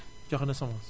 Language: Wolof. joxe na semence